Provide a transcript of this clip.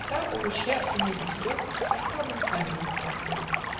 Там у ручья в тени густой Поставлен памятник простой.